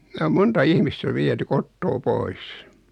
ne on monta ihmistä viety kotoa pois